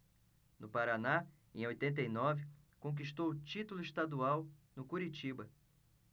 no paraná em oitenta e nove conquistou o título estadual no curitiba